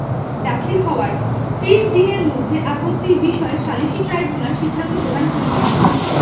দাখিল হওয়ার ত্রিশ দনের মধ্যে আপত্তির বিষয়ে সালিসী ট্রাইব্যুনাল সিদ্ধান্ত প্রদান করিবে